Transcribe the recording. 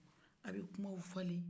aw bɛ kumaw falen